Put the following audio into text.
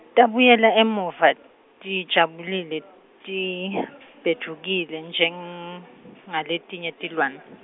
Tabuyela emuva, tijabulile, tibhedvukile njengaletinye tilwane.